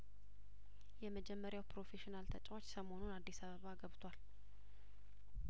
የመጀመሪያው ፕሮፌሽናል ተጫዋች ሰሞኑን አዲስ አበባ ገብቷል